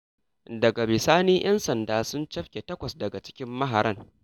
Daga bisani 'yan sanda sun cafke takwas daga cikin maharan.